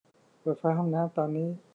เปิดไฟห้องน้ำตอนนี้